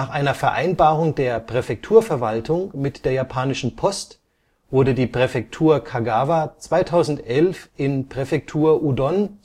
einer Vereinbarung der Präfekturverwaltung mit der japanischen Post wurde die Präfektur Kagawa 2011 in Präfektur Udon